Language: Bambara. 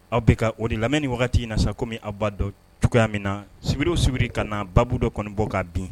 Aw bɛ ka o de lamɛn ni wagati in na sa ko min awba dɔn cogoya min na sibiw sibiri ka na baabu dɔ kɔni bɔ ka bin